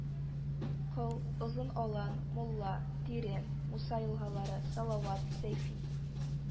Кол, озын алан, мулла, тирән, муса елгалары, салават, сәйфи